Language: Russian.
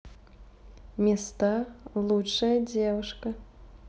места лучшая девушка